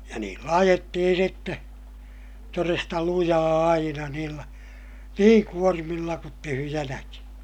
ja niillä ajettiin sitten todesta lujaa aina niillä niin kuormilla kuin tyhjänäkin